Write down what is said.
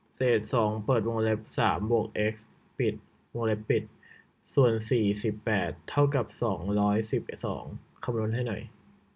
เศษสองเปิดวงเล็บสามบวกเอ็กซ์วงเล็บปิดส่วนสี่สิบแปดเท่ากับสองร้อยสิบสองคำนวณให้หน่อย